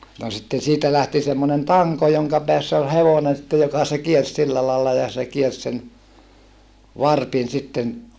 no sitten siitä lähti semmoinen tanko jonka päässä oli hevonen sitten joka se kiersi sillä lailla ja se kiersi sen varpin sitten